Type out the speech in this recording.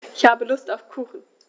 Ich habe Lust auf Kuchen.